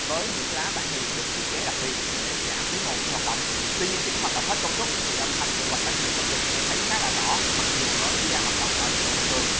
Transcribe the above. với những lá tản nhiệt được thiết kế đặc biệt để giảm tiếng ồn khi hoạt động tuy nhiên khi máy hoạt động hết công suất thì âm thanh từ quạt tản nhiệt vẫn được nghe thấy khá là rõ mặc dù mới chỉ đang hoạt động ở chế độ bình thường